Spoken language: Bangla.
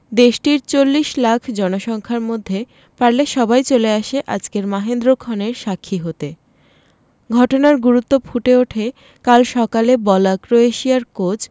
দেশটির ৪০ লাখ জনসংখ্যার মধ্যে পারলে সবাই চলে আসে আজকের মাহেন্দ্রক্ষণের সাক্ষী হতে ঘটনার গুরুত্ব ফুটে ওঠে কাল সকালে বলা ক্রোয়েশিয়ার কোচ